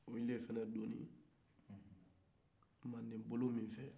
olu fana donna manden bolo min fɛ